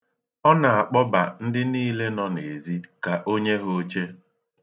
Ọ na-akpọba ndị niile nọ n'ezi ka o nye ha oche.